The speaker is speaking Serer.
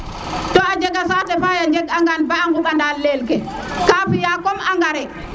te a jeg saate fa a njeg angan mba ŋubana leel ke ka fi a comme engrais